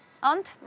Ond